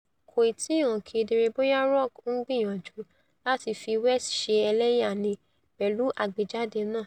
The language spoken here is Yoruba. Kò tíì hàn kedere bóyá Rock ńgbìyânjú láti fi West ṣe ẹlẹ́yà ni pẹ̀lú àgbéjáde náà.